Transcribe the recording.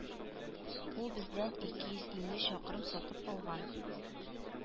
Ул бездән ике йөз илле чакрым сатып алган